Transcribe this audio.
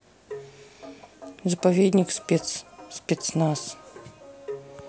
заповедник спец спецназ